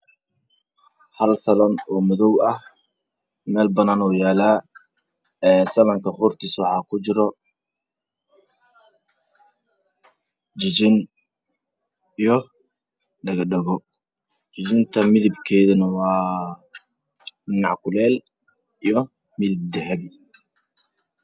Boonbalo madow ah waxaa kujiro qoortiisa katiin iyo dhago kalarkoodu waa dahabi.